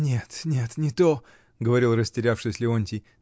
— Нет, нет — не то, — говорил, растерявшись, Леонтий.